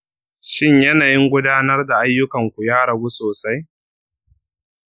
shin yanayin gudanar da ayyukan ku ya ragu sosai?